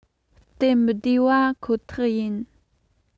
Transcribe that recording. སྟབས མི བདེ བ ཁོ ཐག ཡིན